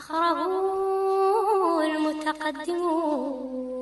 Sandi